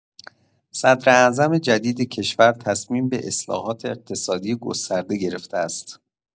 صدراعظم جدید کشور تصمیم به اصلاحات اقتصادی گسترده گرفته است.